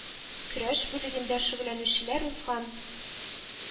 Көрәш бүлегендә шөгыльләнүчеләр узган